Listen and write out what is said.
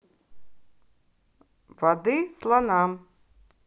воды слонам